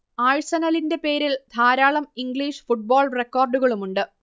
ആഴ്സണലിന്റെ പേരിൽ ധാരാളം English football റെക്കോർഡുകളുമുണ്ട്